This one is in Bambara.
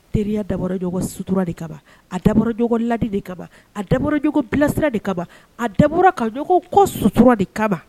Teriya dabɔ sutura de ka ban a dabɔogo ladi de ka ban a da j bilasira de ka a dabɔ kajɔ kɔ sutura de kababan